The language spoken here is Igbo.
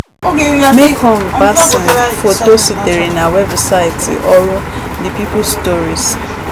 Mekong Basin. Foto sitere na webụsaịtị ọrụ The People's Stories.